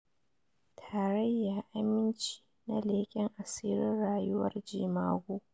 Tarayya Aminci na leken asirin rayuwar jemagu